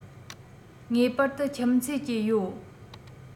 ངེས པར དུ ཁྱིམ མཚེས ཀྱི ཡོད